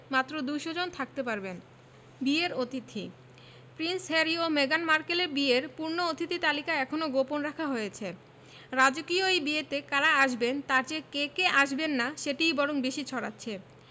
মাত্র ২০০ জন থাকতে পারবেন বিয়ের অতিথি প্রিন্স হ্যারি ও মেগান মার্কেলের বিয়ের পূর্ণ অতিথি তালিকা এখনো গোপন রাখা হয়েছে রাজকীয় এই বিয়েতে কারা আসবেন তার চেয়ে কে কে আসবেন না সেটিই বরং বেশি ছড়াচ্ছে